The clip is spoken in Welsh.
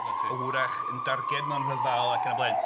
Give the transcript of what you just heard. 'Na ti... hwyrach yn darged mewn rhyfel ac yn y blaen.